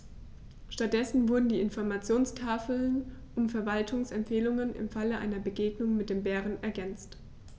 Stattdessen wurden die Informationstafeln um Verhaltensempfehlungen im Falle einer Begegnung mit dem Bären ergänzt.